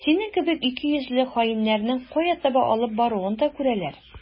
Синең кебек икейөзле хаиннәрнең кая таба алып баруын да күрәләр.